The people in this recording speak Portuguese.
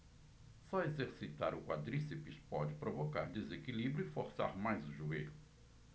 só exercitar o quadríceps pode provocar desequilíbrio e forçar mais o joelho